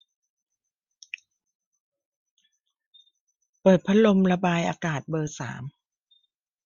เปิดพัดลมระบายอากาศเบอร์สาม